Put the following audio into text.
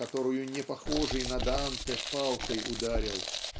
которую непохожий на Данта палкой ударил!.